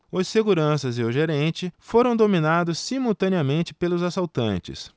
os seguranças e o gerente foram dominados simultaneamente pelos assaltantes